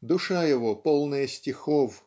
Душа его полная стихов